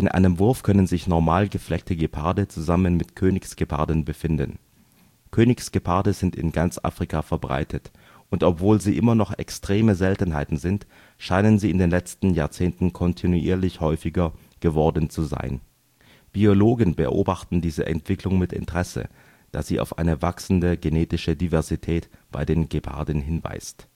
einem Wurf können sich normal gefleckte Geparde zusammen mit Königsgeparden befinden. Königsgeparde sind in ganz Afrika verbreitet, und obwohl sie immer noch extreme Seltenheiten sind, scheinen sie in den letzten Jahrzehnten kontinuierlich häufiger geworden zu sein. Biologen beobachten diese Entwicklung mit Interesse, da sie auf eine wachsende genetische Diversität bei den Geparden hinweist